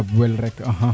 a dab wel rek